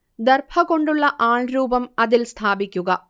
ദർഭ കൊണ്ടുള്ള ആൾരൂപം അതിൽ സ്ഥാപിയ്ക്കുക